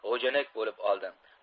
g'ujanak bo'lib oldi